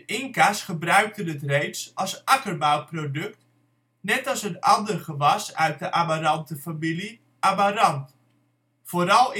Inca 's gebruikten het reeds als akkerbouwproduct, net als een ander gewas uit de Amarantenfamilie, amarant. Vooral